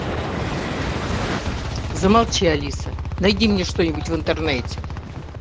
замолчи алиса найди мне что нибудь в интернете